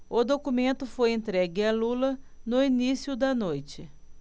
o documento foi entregue a lula no início da noite